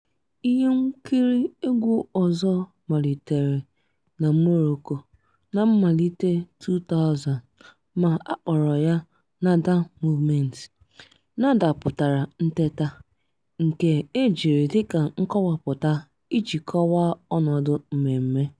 Ihe nkiri egwu ọzọ malitere na Morocco na mmalite 2000 ma a kpọrọ ya 'Nayda movement' ("nayda" pụtara "nteta", nke e jiri dịka nkọwapụta iji kọwaa ọnọdụ mmemme).